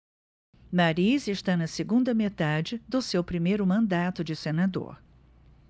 mariz está na segunda metade do seu primeiro mandato de senador